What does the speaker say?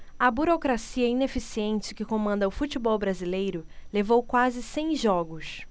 a burocracia ineficiente que comanda o futebol brasileiro levou quase cem jogos